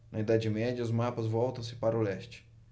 na idade média os mapas voltam-se para o leste